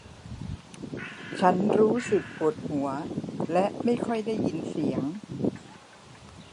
ฉันรู้สึกปวดหัวและไม่ค่อยได้ยินเสียง